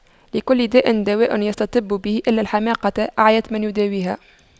لكل داء دواء يستطب به إلا الحماقة أعيت من يداويها